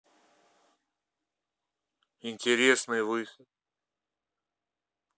интересный выход